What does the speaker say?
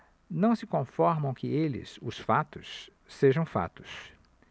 não se conformam que eles os fatos sejam fatos